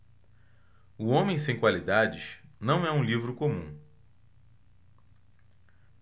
o homem sem qualidades não é um livro comum